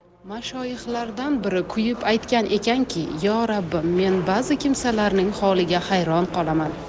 mashoyixlardan biri kuyib aytgan ekanki yo rabbim men ba'zi kimsalarning holiga hayron qolaman